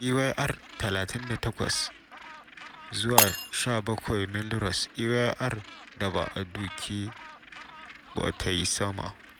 Ayr 38 - 17 Melrose: Ayr da ba a doke ba ta yi sama